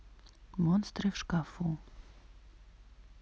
монстры в шкафу